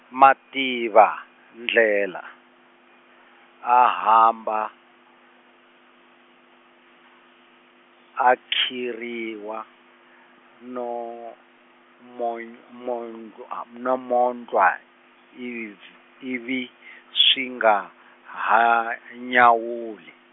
Mativandlela, a hamba, a khirhiwa, no mon-, mondla-, no mondlwa-, ivi tswi, ivi swi nga, ha ha, nyawuli.